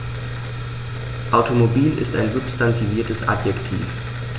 Automobil ist ein substantiviertes Adjektiv.